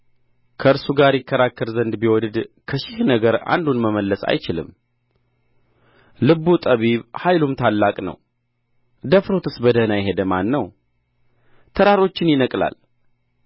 ከእርሱ ጋር ይከራከር ዘንድ ቢወድድ ከሺህ ነገር አንዱን መመለስ አይችልም ልቡ ጠቢብ ኃይሉም ታላቅ ነው ደፍሮትስ በደኅና የሄደ ማን ነው ተራሮችን ይነቅላል